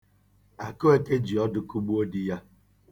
Akụeke ji ọdụ kụgbuo di ya.